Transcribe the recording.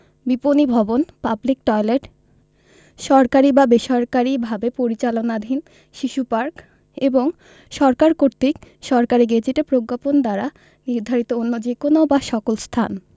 বিপণী ভবন public toilet সরকারী বা বেসরকালিভাবে পরিচালনাধীন শিশু পার্ক এবং সরকার কর্তৃক সরকারী গেজেটে প্রজ্ঞাপন দ্বারা নির্ধারিত অন্য যে কোন বা সকল স্থান